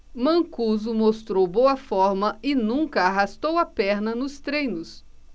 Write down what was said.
mancuso mostrou boa forma e nunca arrastou a perna nos treinos